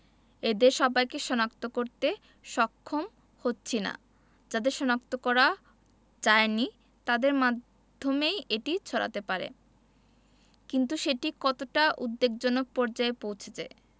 এদের সবাইকে শনাক্ত করতে সক্ষম হচ্ছি না যাদের শনাক্ত করা যায়নি তাদের মাধ্যমেই এটি ছড়াতে পারে কিন্তু সেটি কতটা উদ্বেগজনক পর্যায়ে পৌঁছেছে